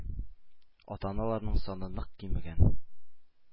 Ата-аналарның саны нык кимегән: